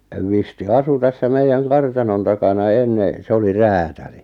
Visti asui tässä meidän kartanon takana ennen se oli räätäli